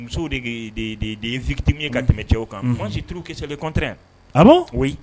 Musow de de fiti ye ka tɛmɛ cɛ kan si turukisɛ seli kɔnte a